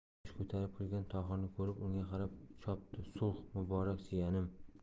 qamish ko'tarib kirgan tohirni ko'rib unga qarab chopdi sulh muborak jiyanim